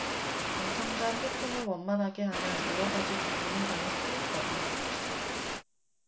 당청간 소통을 원만하게 하면 여러가지 부분이 많이 풀릴거다